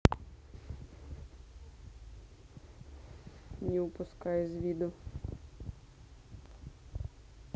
не упускай из виду